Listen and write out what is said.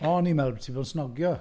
O, o'n ni'n meddwl bod ti 'di bod snogio.